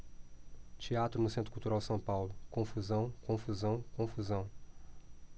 teatro no centro cultural são paulo confusão confusão confusão